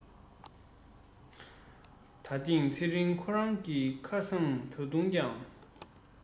ད ཐེངས ཚེ རིང ཁོ རང གི ཁ སང ད དུང ཀྱང